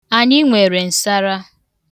Anyị nwere nsara.